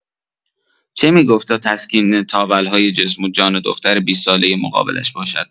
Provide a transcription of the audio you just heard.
چه می‌گفت تا تسکین تاول‌های جسم و جان دختر بیست سالۀ مقابلش باشد؟